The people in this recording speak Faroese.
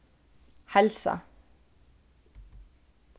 heilsa